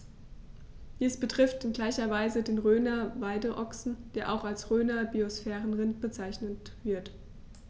Dies betrifft in gleicher Weise den Rhöner Weideochsen, der auch als Rhöner Biosphärenrind bezeichnet wird.